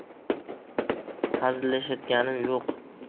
hazillashayotganim yo'q